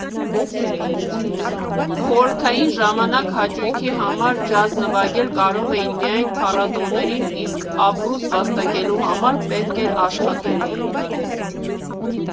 Խորհրդային ժամանակ հաճույքի համար ջազ նվագել կարող էին միայն փառատոներին, իսկ ապրուստ վաստակելու համար պետք էր աշխատել։